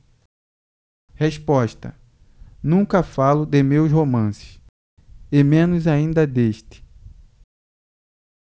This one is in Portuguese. resposta nunca falo de meus romances e menos ainda deste